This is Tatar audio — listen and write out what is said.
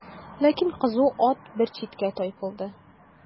Ләкин кызу ат бер читкә тайпылды.